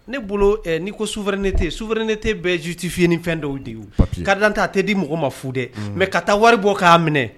Ne bolo ni ko sufine tɛ sufine tɛ bɛn jitifiyinifɛn dɔw de ye kad ta tɛ di mɔgɔ ma fu dɛ mɛ ka taa wari bɔ k'a minɛ